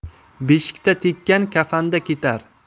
beshikda tekkan kafanda ketar